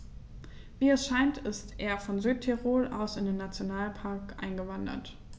Wie es scheint, ist er von Südtirol aus in den Nationalpark eingewandert.